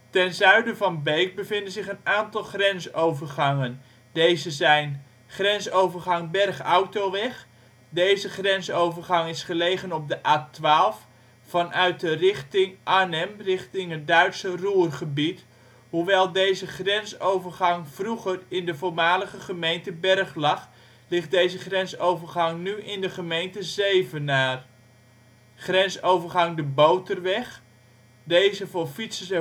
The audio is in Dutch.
Ten zuiden van Beek bevinden zich een aantal grensovergangen. Deze zijn: Grensovergang Bergh Autoweg. Deze grensovergang is gelegen op de A12 vanuit de richting Arnhem richting het Duitse Ruhrgebied. Hoewel deze grensovergang vroeger in de voormalige gemeente Bergh lag, ligt deze grensovergang nu in de gemeente Zevenaar. Grensovergang de Boterweg. Deze voor fietsers